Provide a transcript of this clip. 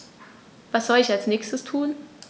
Was soll ich als Nächstes tun?